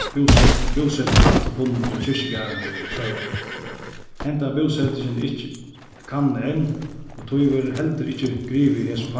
búseting aftur funnin í kirkjugarðinum í sørvági henda búsetingin er ikki kannað enn og tí verður heldur ikki grivið í hesum